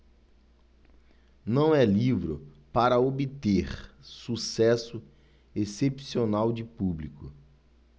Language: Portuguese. não é livro para obter sucesso excepcional de público